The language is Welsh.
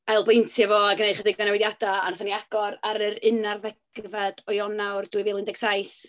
ailbeintio fo a gwneud chydig o newidiadau, a wnaethon ni agor ar yr unarddegfed o Ionawr dwy fil un deg saith.